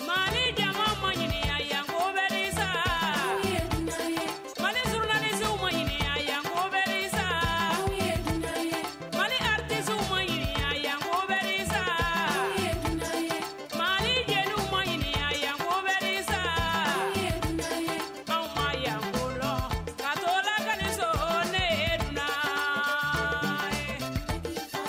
Mali jama ma ɲininka yakuma bɛ sa maliso ma ɲininka yakuma bɛ sa malidati ma ɲini yakuma bɛ sa mali jeliw ma ɲininka yakuma bɛ sa ma yangolɔ ato deli le la